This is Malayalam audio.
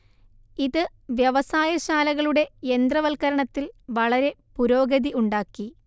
ഇത് വ്യവസായശാലകളുടെ യന്ത്രവൽക്കരണത്തിൽ വളരെ പുരോഗതി ഉണ്ടാക്കി